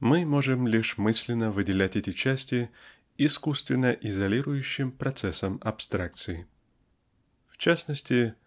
-- мы можем лишь мысленно выделять эти части искусственно изолирующим процессом абстракции. В частности